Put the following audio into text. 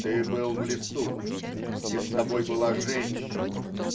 -- Ты был в лесу, и с тобой была женщина.